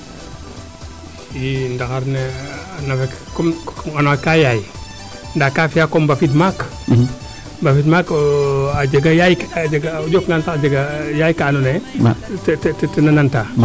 ndaxar ne a nafake kaa yaay ndaa ka fiya comme mbafid maak mbafid maak o a jega yaay o njokangan sax a jega yaay kaa ando naye tena nan taa